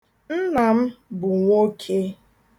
Nna m bụ nwoke.